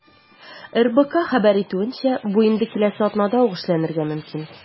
РБК хәбәр итүенчә, бу инде киләсе атнада ук эшләнергә мөмкин.